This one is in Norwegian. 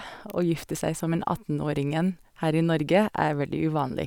Å gifte seg som en attenåringen her i Norge er veldig uvanlig.